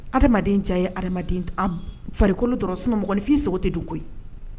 Adamaden diya ye adamaden an farikolon dɔrɔn sinon mɔgɔninfin sogo tɛ dun koyi.